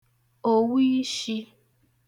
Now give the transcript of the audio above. òwu ishī